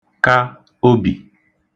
ka obì